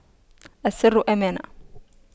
السر أمانة